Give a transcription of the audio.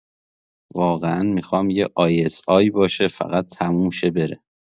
واقعا می‌خوام یه isi باشه فقط تموم شه بره.